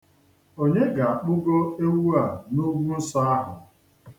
Onye ga-akpụgo ewu a n'ugwu nsọ ahu?